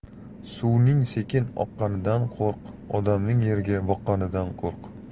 suvning sekin oqqanidan qo'rq odamning yerga boqqanidan qo'rq